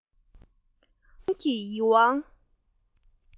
འཁོར བའི ཟང ཟིང གིས ཡིད དབང